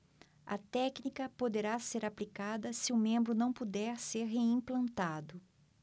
a técnica poderá ser aplicada se o membro não puder ser reimplantado